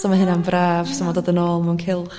so ma' hyna'n braf so ma'n dod yn ôl mewn cylch